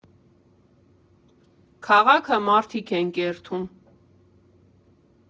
Քաղաքը մարդիկ են կերտում։